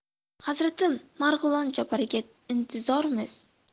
hazratim marg'ilon chopariga intizormiz